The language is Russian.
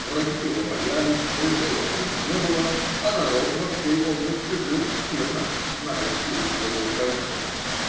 враги его боялись, друзей у него не было, а народ во всей области жил смирно, зная силу своего правителя.